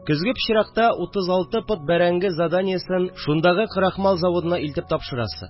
Көзге пычракта утыз алты пот бәрәңге заданиесен шундагы крахмал заводына илтеп тапшырасы